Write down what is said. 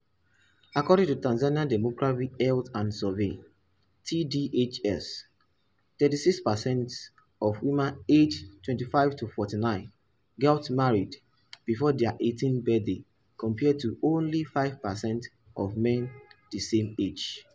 According to Tanzania Demographic and Health Survey (TDHS), 36 percent of women aged 25-49 get married before their 18th birthday compared to only 5 percent for men the same age.